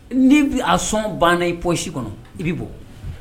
Ni a sɔn banna i pɔsi kɔnɔ i bɛ bɔ